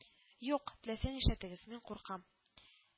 — юк, теләсә нишләтегез! мин куркам